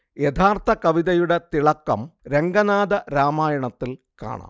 യഥാർഥ കവിതയുടെ തിളക്കം രംഗനാഥ രാമായണത്തിൽ കാണാം